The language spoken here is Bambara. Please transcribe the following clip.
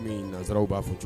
Nanzsaraw b'a fɔ cogo